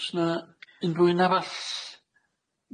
O's na unrhywun arall?